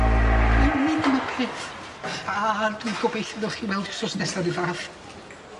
A a a dwi'n gobeithio dowch chi mewn wthnos nesa ryw fath.